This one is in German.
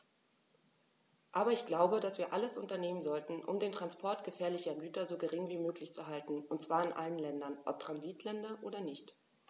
Aber ich glaube, dass wir alles unternehmen sollten, um den Transport gefährlicher Güter so gering wie möglich zu halten, und zwar in allen Ländern, ob Transitländer oder nicht.